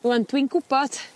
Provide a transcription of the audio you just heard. Ŵan dwi'n gwbod